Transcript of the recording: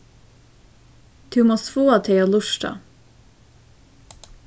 tú mást fáa tey at lurta